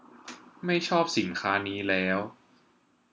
ไม่ชอบสินค้านี้แล้ว